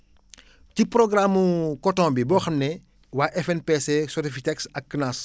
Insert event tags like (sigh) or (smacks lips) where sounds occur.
(smacks lips) ci programme mu coton bi boo xam ne waa FNPC SODEFITEX ak CNAAS